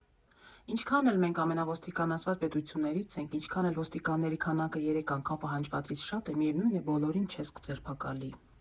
Ինչքան էլ մենք ամենաոստիկանացված պետություններից ենք, ինչքան էլ ոստիկանների քանակը երեք անգամ պահանջվածից շատ է, միևնույն է՝ բոլորին չես ձերբակալի։